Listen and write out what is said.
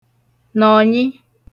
nọ̀nyị